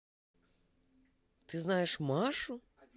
ты знаешь машу